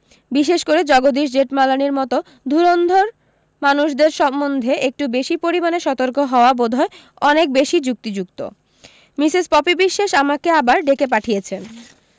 বিশেষ করে জগদীশ জেঠমালানির মতো ধুরন্ধর মানুষদের সম্বন্ধে একটু বেশী পরিমাণে সতর্ক হওয়া বোধহয় অনেক বেশী যুক্তিযুক্ত মিসেস পপি বিশ্বাস আমাকে আবার ডেকে পাঠিয়েছেন